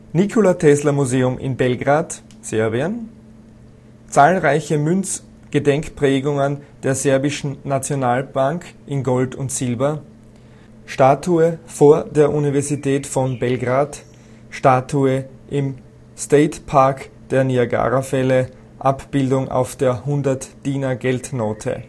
Nikola-Tesla-Museum in Belgrad (Serbien) Zahlreiche Münz-Gedenkprägungen der Serbischen Nationalbank in Gold und Silber Statue vor der Universität von Belgrad Statue im State Park der Niagarafälle Abbildung auf der 100 Dinar-Geldnote